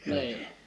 niin